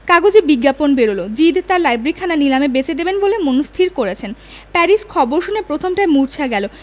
কাগজে বিজ্ঞাপন বেরল জিদ তাঁর লাইব্রেরিখানা নিলামে বেচে দেবেন বলে মনস্থির করেছেন প্যারিস খবর শুনে প্রথমটায় মুর্ছা গেল